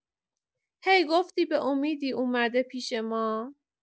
هی گفتی به امیدی اومده پیش ما.